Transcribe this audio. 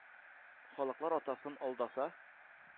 “халыклар атасы”н алдаса